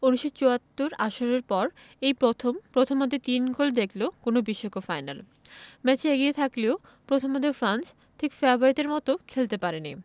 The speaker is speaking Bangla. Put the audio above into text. ১৯৭৪ আসরের পর এই প্রথম প্রথমার্ধে তিন গোল দেখল কোনো বিশ্বকাপ ফাইনাল ম্যাচে এগিয়ে থাকলেও প্রথমার্ধে ফ্রান্স ঠিক ফেভারিটের মতো খেলতে পারেনি